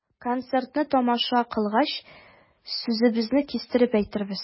Концертны тамаша кылгач, сүзебезне кистереп әйтербез.